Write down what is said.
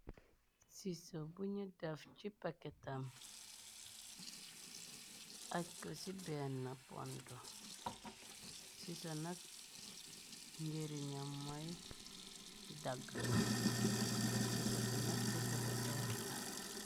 Siiso buñu def ci paketam, aj ko ci benne pontu, siiso nak njëriñam moy dagg, siiso bi nak siiso bu ees la.